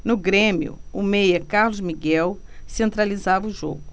no grêmio o meia carlos miguel centralizava o jogo